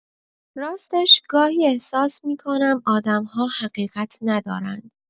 راستش، گاهی احساس می‌کنم آدم‌ها حقیقت ندارند.